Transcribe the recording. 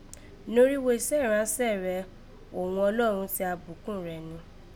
Norígho isẹ́ ìránṣẹ́ rẹ òghun Ọlọ́run ti ra bùkún rẹ